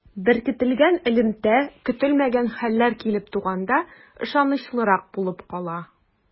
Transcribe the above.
Беркетелгән элемтә көтелмәгән хәлләр килеп туганда ышанычлырак булып кала.